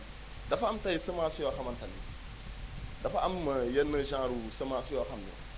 dafa am tey semence yoo xamante ni dafa am yenn genre ru semence yoo xam ne